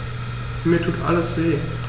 Mir tut alles weh.